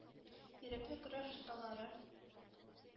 Ирекле көрәш осталары